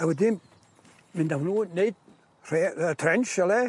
A wedyn, mynd â nhw wneud rhei- yy trench yle.